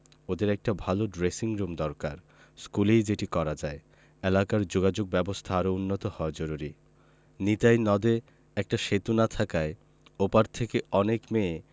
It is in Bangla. ওদের একটা ভালো ড্রেসিংরুম দরকার স্কুলেই যেটি করা যায় এলাকার যোগাযোগব্যবস্থা আরও উন্নত হওয়া জরুরি নিতাই নদে একটা সেতু না থাকায় ও পার থেকে অনেক মেয়ে